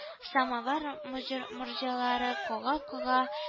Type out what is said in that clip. Самовар моҗырморҗалары кага-кага